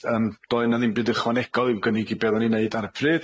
Yym, doedd 'na ddim byd ychwanegol i'w gynnig i be' oddan ni'n neud ar y pryd,